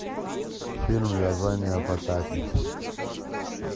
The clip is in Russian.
фильм вязание по пятницам